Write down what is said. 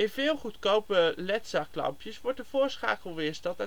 veel goedkope ledzaklampjes wordt de voorschakelweerstand